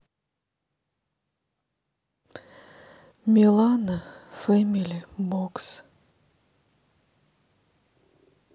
милана фэмили бокс